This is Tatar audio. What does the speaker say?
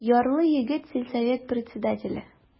Ярлы егет, сельсовет председателе.